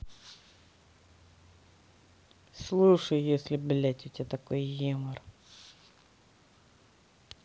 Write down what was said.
слушай если блядь у тебя такой юмор